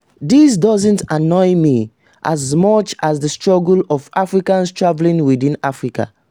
This doesn't annoy me as much as the struggles of Africans travelling within Africa.